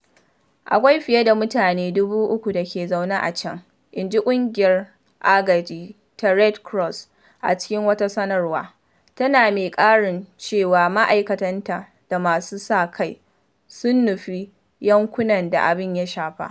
Akwai fiye da mutane 300,000 da ke zauna a can,” inji ƙungiyar agaji ta Red Cross a cikin wata sanarwa, tana mai ƙarin cewa ma’aikatanta da masu sa-kai sun nufi yankunan da abin ya shafa.